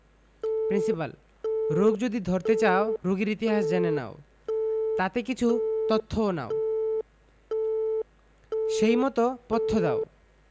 principal রোগ যদি ধরতে চাও রোগীর ইতিহাস জেনে নাও তাতে কিছু তথ্য নাও সেই মত পথ্য দাও